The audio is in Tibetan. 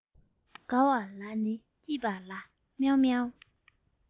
དགའ བ ལ ནི སྐྱིད པ ལ མཱེ མཱེ